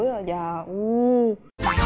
rồi dạ tuổi